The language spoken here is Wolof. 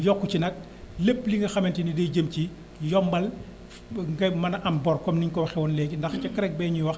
yokk ci nag lépp li nga xamante ni day jëm ci yombal nga mën a am bor comme ni ñu ko waxee woon léegi ndax ca CREC bee ñuy wax